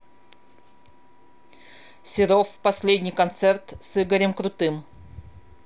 серов последний концерт с игорем крутым